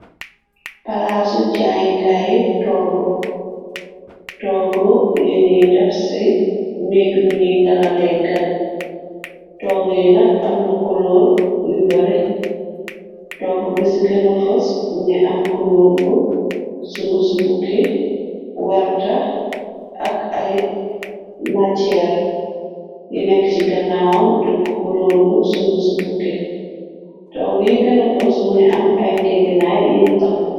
palaasu jaayukaay toogu toogu yuñuy def ci negg bu ñuy dalalee gan toggu yi nag amna kuloor yu bare toog bi ci gëna fos mu ngi am kuloor bu sungu ci bukki werta ak ay macheer yi nekk ci gannaawam diu kuloor bu sungu ci bukki toogu yi gëna fos mu ngi am ay ngeginaay yiñ takko